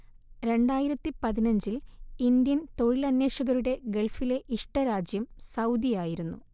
രണ്ടായിരത്തി പതിനഞ്ച് ൽ ഇന്ത്യൻ തൊഴിലന്വേഷകരുടെ ഗൾഫിലെ ഇഷ്ട രാജ്യം സൗദിയായിരുന്നു